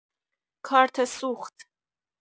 کارت سوخت